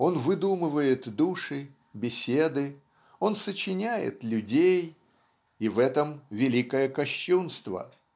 он выдумывает души, беседы, он сочиняет людей, и в этом великое кощунство